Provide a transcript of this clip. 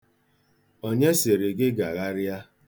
Onye sịrị gị gagharịa?